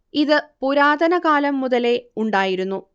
ഇത് പുരാതന കാലം മുതലേ ഉണ്ടായിരുന്നു